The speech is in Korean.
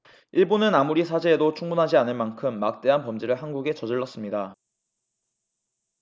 일본은 아무리 사죄해도 충분하지 않을 만큼 막대한 범죄를 한국에 저질렀습니다